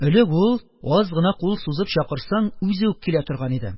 Элек ул, аз гына кул сузып чакырсаң, үзе үк килә торган иде